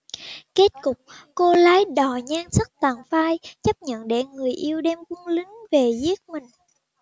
kết cục cô lái đò nhan sắc tàn phai chấp nhận để người yêu đem quân lính về giết mình